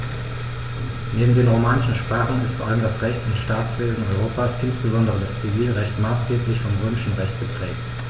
Neben den romanischen Sprachen ist vor allem das Rechts- und Staatswesen Europas, insbesondere das Zivilrecht, maßgeblich vom Römischen Recht geprägt.